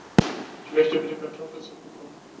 Ich möchte bitte Kartoffelsuppe kochen.